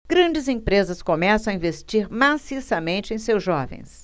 grandes empresas começam a investir maciçamente em seus jovens